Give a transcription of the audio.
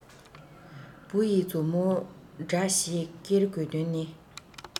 བུ ཡི མཛུབ མོ འདྲ ཞིག ཀེར དགོས དོན ནི